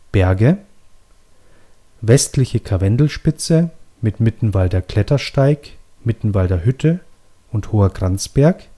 Berge: Westliche Karwendelspitze mit Mittenwalder Klettersteig, Mittenwalder Hütte, Hoher Kranzberg